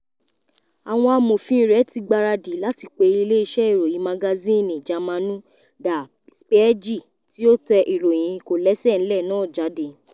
Àwọn amòfin rẹ ti gbaradì láti pe ìlé iṣẹ́ ìròyìn magazínì Jámànù Der Spiege, tí ó tẹ ìròyìn kòlẹ̀ṣẹ̀ńlẹ̀ náà jáde.